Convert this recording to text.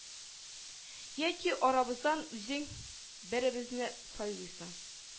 Яки арабыздан үзең беребезне сайлыйсың